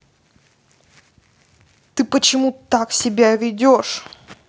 ты почему так себя ведешь